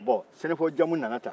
bon sɛnɛfɔ jamu nana tan